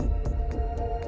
đi